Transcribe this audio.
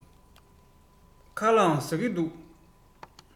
ད ལྟ ཁ ལག ཟ གི འདུག